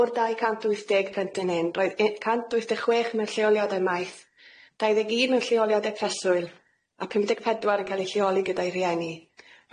O'r dau cant wyth deg plentyn hyn roedd u- cant wyth deg chwech mewn lleoliadau maeth, dau ddeg un mewn lleoliadau preswyl, a pum deg pedwar yn cael eu lleoli gyda'i rhieni.